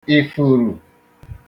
ifuru